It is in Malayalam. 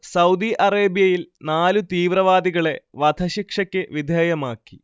സൗദി അറേബ്യയിൽ നാല് തീവ്രവാദികളെ വധശിക്ഷയ്ക്ക് വിധേയമാക്കി